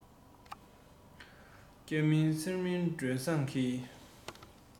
སྐྱ མིན སེར མིན སྒྲོལ བཟང གིས